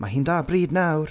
Mae hi'n da bryd nawr.